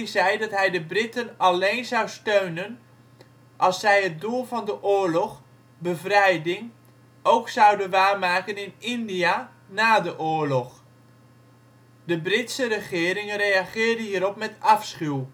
zei dat hij de Britten alleen zou steunen, als zij het doel van de oorlog, bevrijding, ook zouden waarmaken in India na de oorlog. De Britse regering reageerde hierop met afschuw